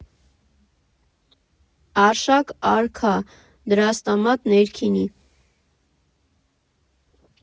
Արշակ արքա, Դրաստամատ ներքինի։